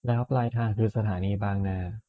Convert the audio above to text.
แล้วปลายทางคือสถานีบางนา